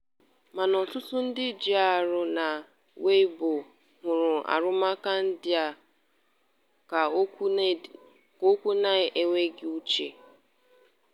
Mana ọtụtụ ndị njiarụ na Weibo hụrụ arụmụka ndị a ka okwu n'enweghị uche.